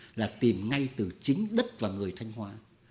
là tìm ngay từ chính đất và người thanh hóa